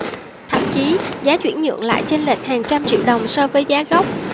thậm chí giá chuyển nhượng lại chênh lệch hàng trăm triệu đồng so với giá gốc